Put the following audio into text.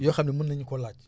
yoo xam ne mën nañu ko laaj